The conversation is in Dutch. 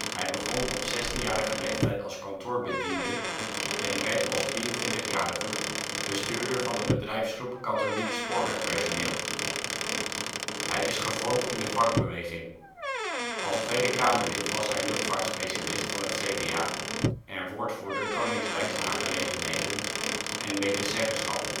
Hij begon op 16-jarige leeftijd als kantoorbediende en werd als 23-jarige bestuurder van de bedrijfsgroep Katholiek spoorwegpersoneel. Hij is gevormd in de vakbeweging. Als Tweede Kamerlid was hij luchtvaartspecialist van het CDA en woordvoerder Koninkrijksaangelegenheden en medezeggenschap